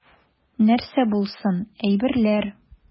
Нәрсә булсын, әйберләр.